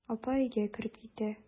Апа өйгә кереп китә.